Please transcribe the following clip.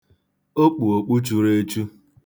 O kpu okpu churu echu.